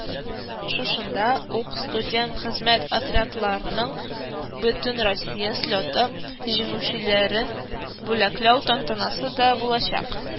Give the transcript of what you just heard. Шушында ук Студент хезмәт отрядларының Бөтенроссия слеты җиңүчеләрен бүләкләү тантанасы да булачак